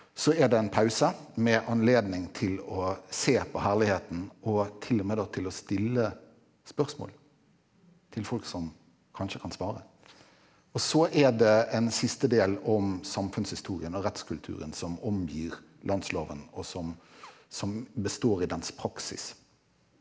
så er det en pause med anledning til å se på herligheten og t.o.m. da til å stille spørsmål til folk som kanskje kan svare, og så er det en siste del om samfunnshistorien og rettskulturen som omgir landsloven og som som består i dens praksis.